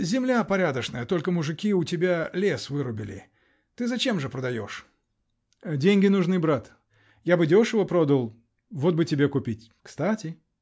Земля порядочная -- только мужики у тебя лес вырубили. Ты зачем же продаешь? -- Деньги нужны, брат. Я бы дешево продал. Вот бы тебе купить. Кстати.